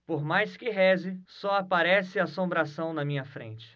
por mais que reze só aparece assombração na minha frente